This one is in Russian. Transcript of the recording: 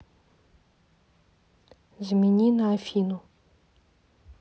замени на афину